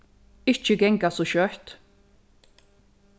ikki ganga so skjótt